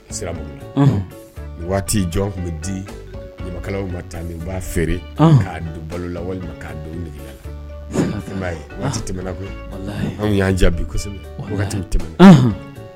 Sirama waati jɔn tun bɛ di ɲamakalaw ma taa b'a feere k'a balola walimaaya'a ye waati tɛm anw y'an jaabi bi tɛm